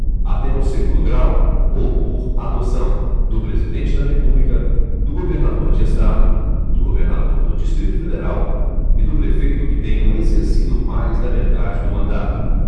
até o segundo grau ou por adoção do presidente da república do governador de estado do governador do distrito federal e do prefeito que tenham exercido mais da metade do mandato